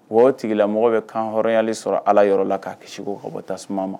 Mɔgɔw tigila mɔgɔ bɛ kan hɔrɔnyali sɔrɔ ala yɔrɔ la k'a kisiko kababɔ tasuma ma